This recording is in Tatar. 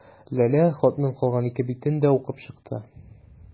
Ләлә хатның калган ике битен дә укып чыкты.